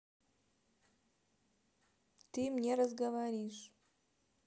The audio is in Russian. ты мне разговоришь